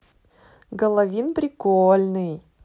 головин прикольный